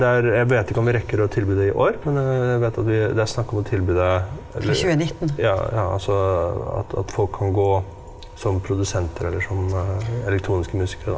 der jeg vet ikke om vi rekker å tilby det i år, men jeg vet at vi det er snakk om å tilby det, eller ja ja altså at at folk kan gå som produsenter eller som elektroniske musikere da.